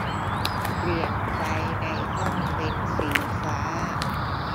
เปลี่ยนไฟในห้องเป็นสีฟ้า